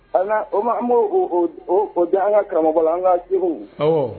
A o b' o di an ka karamɔgɔ an ka segu